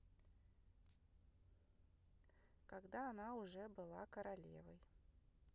когда она уже была королевой